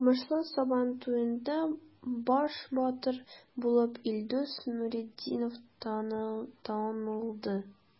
Камышлы Сабан туенда баш батыр булып Илдус Нуретдинов танылды.